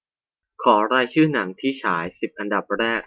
ขอรายชื่อหนังที่ฉายสิบอันดับแรก